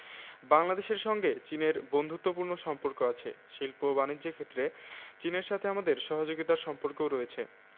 বাংলাদেশের সঙ্গে চীনের বন্ধুত্বপূর্ণ সম্পর্ক আছে শিল্প ও বানিজ্য ক্ষেত্রে চীনের সাথে আমাদের সহযোগিতার সম্পর্কও রয়েছে